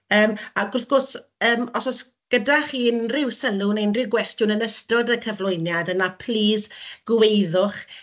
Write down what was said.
Yym, ac wrth gwrs, yym, os oes gyda chi unryw sylw neu unryw gwestiwn yn ystod y cyflwyniad yna, plis gweiddwch.